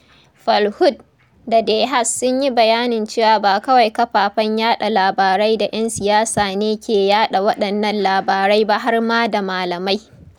Falhauɗ da De Haas sun yi bayanin cewa ba kawai "kafafen yaɗa labarai da 'yan siyasa' ne ke yaɗa waɗannan labarai ba har ma da malamai.